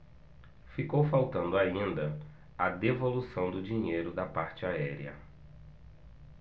ficou faltando ainda a devolução do dinheiro da parte aérea